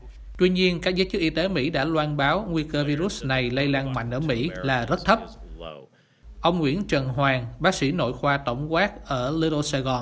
tuy nhiên các giới chức y tế mỹ đã loan báo nguy cơ vi rút này lây lan mạnh ở mỹ là rất thấp ông nguyễn trần hoàng bác sĩ nội khoa tổng quát ở lít đô sài gòn